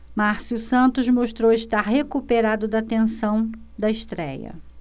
márcio santos mostrou estar recuperado da tensão da estréia